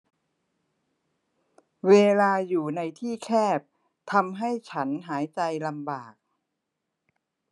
เวลาอยู่ในที่แคบทำให้ฉันหายใจลำบาก